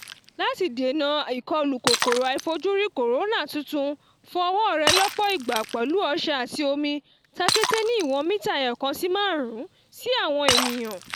Láti dènà ìkọlù kòkòrò àìfojúrí kòrónà tuntun fọ ọwọ́ rẹ lọ́pọ̀ ìgbà pẹ̀lú ọṣẹ àti omi, takété ní ìwọ̀n mítà 1.5 sí àwọn ènìyàn.